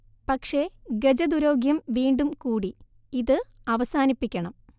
പക്ഷേ ഗജദുരോഗ്യം വീണ്ടും കൂടി ഇത് അവസാനിപ്പിക്കണം